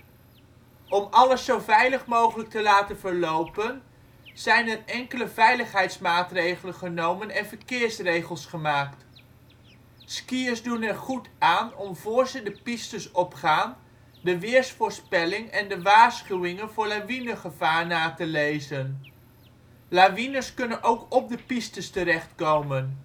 alles zo veilig mogelijk te laten verlopen zijn er enkele veiligheidsmaatregelen genomen en verkeersregels gemaakt. Skiërs doen er goed aan om voor ze de pistes opgaan de weersvoorspelling en de waarschuwingen voor lawinegevaar na te lezen. Lawines kunnen ook op de pistes terecht komen